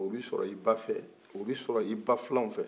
o bi sɔrɔ i ba fɛ o bi sɔrɔ i ba filanw fɛ